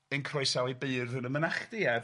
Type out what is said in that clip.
yn croesawu beurdd yn y mynachdy a